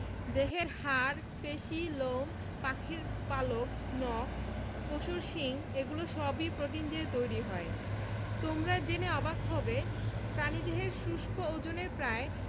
দেহের হাড় পেশি লোম পাখির পালক নখ পশুর শিং এগুলো সবই প্রোটিন দিয়ে তৈরি হয় তোমরা জেনে অবাক হবে প্রাণীদেহের শুষ্ক ওজনের প্রায়